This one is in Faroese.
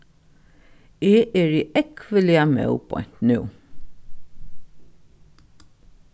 eg eri ógvuliga móð beint nú